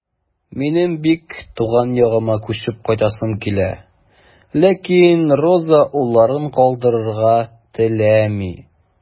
Минем бик туган ягыма күчеп кайтасым килә, ләкин Роза улларын калдырырга теләми.